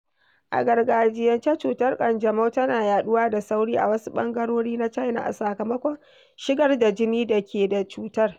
A gargajiyance, cutar ƙanjamau tana yaɗuwa da sauri a wasu ɓangarori na China a sakamakon shigar da jini da ke da cutar.